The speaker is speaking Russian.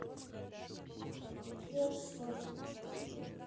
я в шоке